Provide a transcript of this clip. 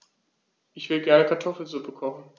Ich will gerne Kartoffelsuppe kochen.